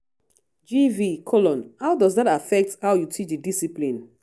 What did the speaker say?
GV: How does that affect how you teach the discipline?